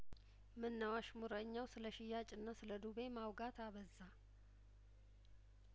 ምነው አሽሙረኛው ስለሽያጭና ስለዱቤ ማውጋት አበዛ